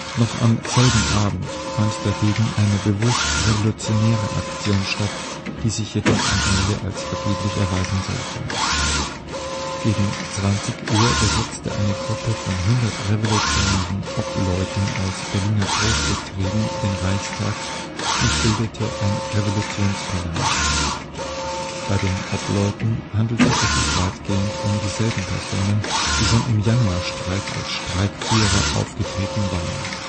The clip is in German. Noch am selben Abend fand dagegen eine bewusst revolutionäre Aktion statt, die sich jedoch am Ende als vergeblich erweisen sollte. Gegen 20 Uhr besetzte eine Gruppe von 100 Revolutionären Obleuten aus Berliner Großbetrieben den Reichstag und bildete ein Revolutionsparlament. Bei den Obleuten handelte es sich weitgehend um dieselben Personen, die schon im Januarstreik als Streikführer aufgetreten waren